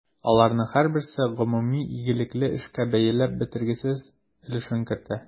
Аларның һәрберсе гомуми игелекле эшкә бәяләп бетергесез өлешен кертә.